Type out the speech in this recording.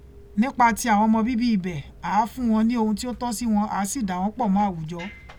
Nípa ti àwọn ọmọ bíbí ibẹ̀, à á fún wọn ní ohun tí ó tọ́ sí wọn, à á sì dà wọ́n pọ̀ mọ́ àwùjọ.